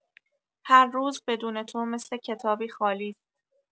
هر روز بدون تو مثل کتابی خالی ست.